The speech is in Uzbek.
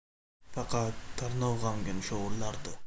faqat tarnov g'amgin shovullardi